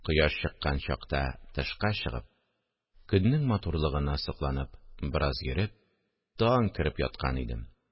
Кояш чыккан чакта тышка чыгып, көннең матурлыгына сокланып, бераз йөреп, тагын кереп яткан идем